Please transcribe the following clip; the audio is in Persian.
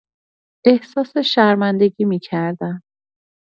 احساس شرمندگی می‌کردم.